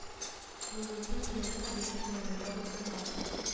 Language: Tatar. Йолдызның елгы июль санында басылган